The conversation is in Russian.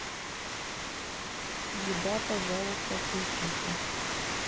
еда пожалуйста включите